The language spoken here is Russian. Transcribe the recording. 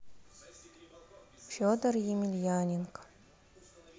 федор емельяненко